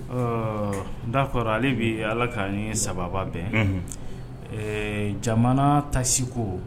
Ɔ d'accord hali bi ye Ala ka ani saba bɛn jamana taxe ko